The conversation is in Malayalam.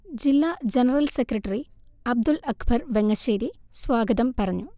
ജില്ലാ ജനറൽ സെക്രട്ടറി അബ്ദുൽ അക്ബർ വെങ്ങശ്ശേരി സ്വാഗതം പറഞ്ഞു